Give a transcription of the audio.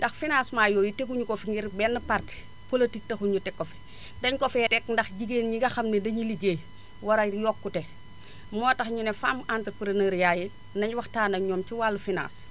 ndax financement yooyu teguñu ko fi ngir benn parti politique taxul ñu teg ko fi dañu ko fee teg ndax jigéen ñi nga xam ne dañuy ligéey war a yokkute moo tax ñu ne femme entreprenariat yi nañu waxtaan ak ñoom ci wàllu finance